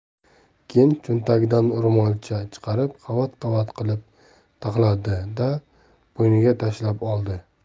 keyin cho'ntagidan ro'molcha chiqarib qavat qavat qilib taxladi da bo'yniga tashlab oldi